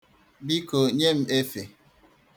Biko nye m efe.